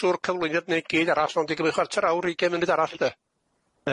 trw'r cyflwyniad 'na gyd arall ma'n mynd i gymud chwartar awr ugian munud arall 'de?